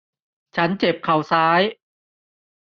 ฉันเจ็บเข่าซ้าย